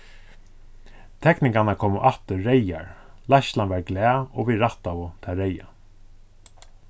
tekningarnar komu aftur reyðar leiðslan var glað og vit rættaðu tað reyða